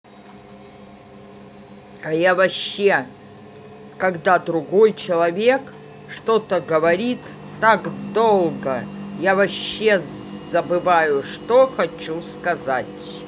а я вообще когда другой человек что то говорит так долго я вообще забываю что хочу сказать